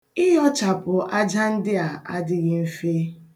Ịyọchapụ aja ndịa adịghị mfe.